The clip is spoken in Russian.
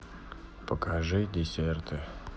покажи десерты